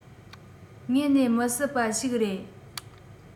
དངོས ནས མི སྲིད པ ཞིག རེད